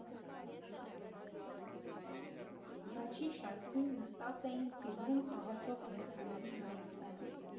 Առաջին շարքում նստած էին ֆիլմում խաղացող երեխաների մայրիկները։